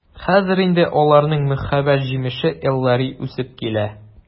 Хәзер инде аларның мәхәббәт җимеше Эллари үсеп килә.